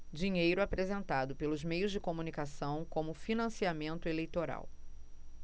dinheiro apresentado pelos meios de comunicação como financiamento eleitoral